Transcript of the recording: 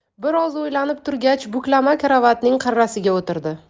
bir oz o'ylanib turgach buklama karavotning qirrasiga o'tirdi